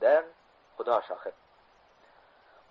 unda xudo shohid